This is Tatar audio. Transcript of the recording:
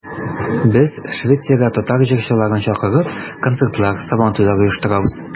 Без, Швециягә татар җырчыларын чакырып, концертлар, Сабантуйлар оештырабыз.